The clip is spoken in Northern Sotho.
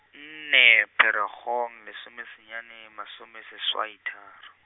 nne Pherekgong lesomesenyane, masome seswai tharo.